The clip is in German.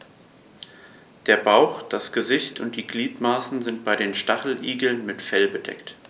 Der Bauch, das Gesicht und die Gliedmaßen sind bei den Stacheligeln mit Fell bedeckt.